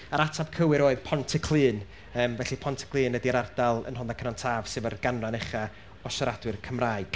Yr ateb cywir oedd Pontyclun, yym felly Pontyclun ydy'r ardal yn Rhondda Cynon Taf sy efo'r ganran ucha o siaradwyr Cymraeg.